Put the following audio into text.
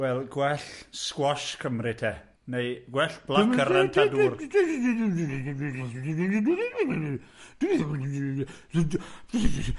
Wel, gwell sgwash Cymru te, neu gwell blackcurrant a dŵr. Di-di-di-di-di-di-di-di